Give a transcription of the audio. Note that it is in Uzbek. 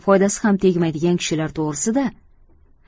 foydasi ham tegmaydigan kishilar to'g'risida